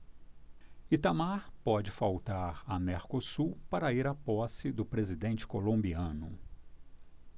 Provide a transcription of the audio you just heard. itamar pode faltar a mercosul para ir à posse do presidente colombiano